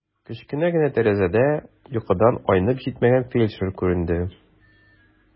Кечкенә генә тәрәзәдә йокыдан айнып җитмәгән фельдшер күренде.